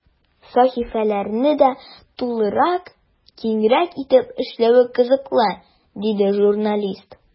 Сәхифәләрне дә тулырак, киңрәк итеп эшләве кызыклы, диде журналист.